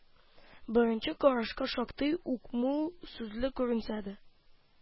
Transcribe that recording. Беренче карашка шактый ук мул сүзле күренсә дә,